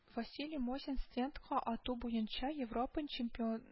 Василий Мосин стендка ату буенча Европа чемпион